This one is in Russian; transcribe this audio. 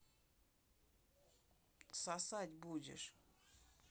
сосать будешь